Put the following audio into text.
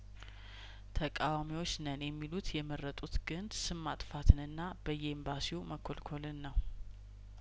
ተቃዋሚዎች ነን የሚሉት የመረጡት ግን ስም ማጥፋትንና በየኤምባሲው መኮልኮልን ነው